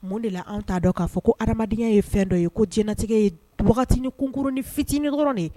Mun de la an t'a dɔn k'a fɔ ko ha adamadamadenya ye fɛn dɔ ye ko jɲɛnatigɛ ye wagatiinin kunurun ni fitininkɔrɔ de